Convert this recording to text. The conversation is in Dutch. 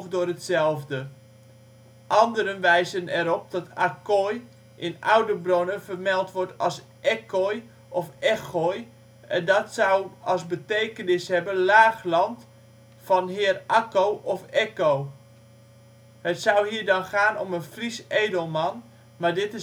door hetzelfde. Anderen wijzen erop dat " Acquoy " in oude bronnen vermeld wordt als Eckoy of Echoy en dat zou als betekenis hebben laagland van heer Akko of Ekko ". Het zou hier dan gaan om een Fries edelman maar dit